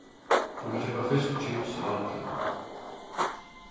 tú kanst keypa fisk og kips á vaglinum